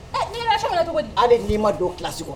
Ɛ' fɛn cogo ale nii ma don kisi